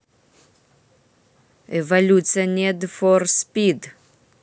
эволюция недфорспид